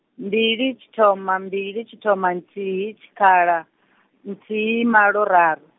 mbili tshithoma mbili tshithoma nthihi tshikhala, nthihi malo raru.